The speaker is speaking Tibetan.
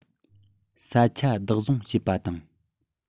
ས ཆ བདག བཟུང བྱེད པ དང